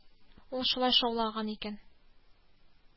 Ул шулай шаулаган икән